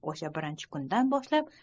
o'sha birinchi kundan boshlab